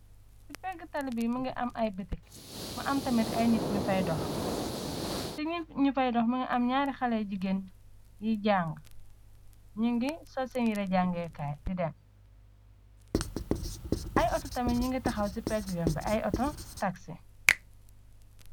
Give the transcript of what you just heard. Ci pegg tal bi më nga am ay bitik, ma am tamit ay nit ñu fay dox, ci ñu fay dox më nga am ñaari xale jigéen yi jang l, ñu ngi sol seen yira jangkaay di dem, ay auto tamit ñu ngi taxaw ci pegg yoon bi ay auto taxi.